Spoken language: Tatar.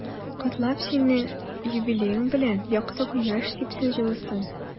Котлап сине юбилеең белән, якты кояш сипсен җылысын.